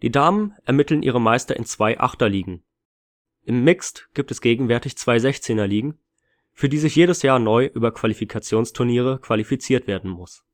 Damen ermitteln ihre Meister in zwei Achterligen. Im Mixed gibt es gegenwärtig zwei 16er-Ligen, für die sich jedes Jahr neu über Qualifikationsturniere qualifiziert werden muss